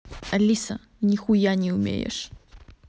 алиса ты нихуя не умеешь